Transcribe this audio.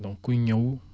donc ku ñëw